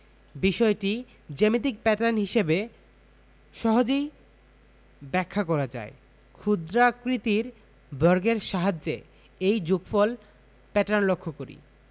বিষয়টি জ্যামিতিক প্যাটার্ন হিসেবে সহজেই ব্যাখ্যা করা যায় ক্ষুদ্রাকৃতির বর্গের সাহায্যে এই যোগফল প্যাটার্ন লক্ষ করি